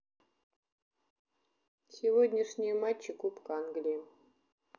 сегодняшние матчи кубка англии